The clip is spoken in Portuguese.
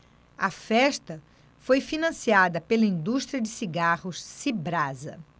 a festa foi financiada pela indústria de cigarros cibrasa